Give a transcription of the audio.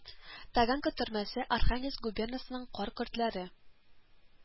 Таганка төрмәсе, Архангельск губернасының кар көртләре